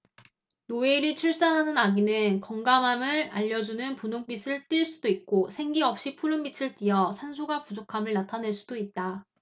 노엘이 출산하는 아기는 건강함을 알려 주는 분홍빛을 띨 수도 있고 생기 없이 푸른빛을 띠어 산소가 부족함을 나타낼 수도 있다